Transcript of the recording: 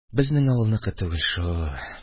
Безнең авылныкы түгел шул.